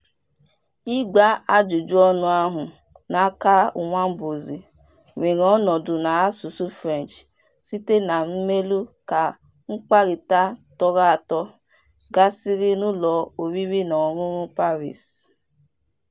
Ịgba ajụjụ ọnụ ahụ n'aka Ouabonzi were ọnọdụ n'asụsụ French site na meelụ ka mkparịta tọrọatọ gasịrị n'ụlọ oriri na ọṅụṅụ Paris.